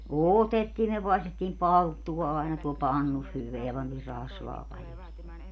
otettiin me paistettiin palttua aina tuolla pannussa hyvää pantiin rasvaa paljon sinne